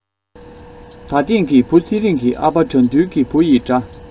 ད ཐེངས ཀྱི བུ ཚེ རིང གི ཨ ཕ དགྲ འདུལ གྱི བུ ཡི འདྲ